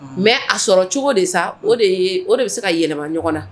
Mɛ a sɔrɔ cogo de sa o o de bɛ se ka yɛlɛma ɲɔgɔn na